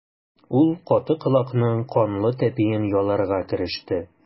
Ул каты колакның канлы тәпиен яларга кереште.